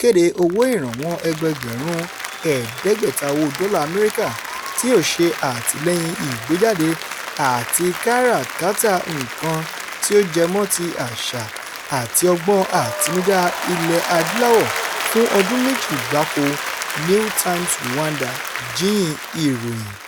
kéde owó ìrànwọ́ ẹgbẹẹgbẹ̀rún 500 owó dollar Amẹ́ríkà "tí yóò ṣe àtìlẹ́yìn ìgbéjáde àti káràkátà nǹkan tí ó jẹ mọ́ ti àṣà àti ọgbọ́n àtinudá Ilẹ̀-Adúláwọ̀ " fún ọdún méjì gbáko, New Times Rwanda jíyìn ìròhìn.